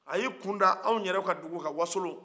a y'a kun da anw yɛrɛ ka dugu kan wasolo